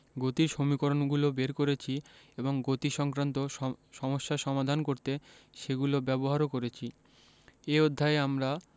গতির সমীকরণগুলো বের করেছি এবং গতিসংক্রান্ত সম সমস্যা সমাধান করতে সেগুলো ব্যবহারও করেছি এই অধ্যায়ে আমরা